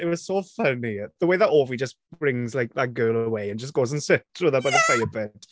It was so funny! The way that Ovie just, brings like, that girl away, and just goes and sits with her by the... Yeah!... fire pit.